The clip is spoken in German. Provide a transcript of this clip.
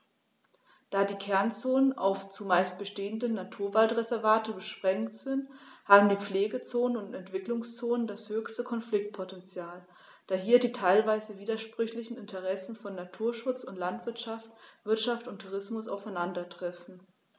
Da die Kernzonen auf – zumeist bestehende – Naturwaldreservate beschränkt sind, haben die Pflegezonen und Entwicklungszonen das höchste Konfliktpotential, da hier die teilweise widersprüchlichen Interessen von Naturschutz und Landwirtschaft, Wirtschaft und Tourismus aufeinandertreffen.